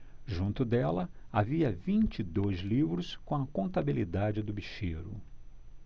junto dela havia vinte e dois livros com a contabilidade do bicheiro